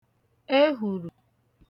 ehùrù